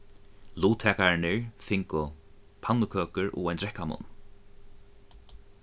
luttakararnir fingu pannukøkur og ein drekkamunn